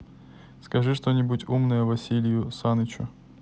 скажи что нибудь умное василию санычу